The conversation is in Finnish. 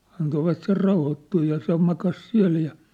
antoivat sen rauhoittua ja se makasi siellä ja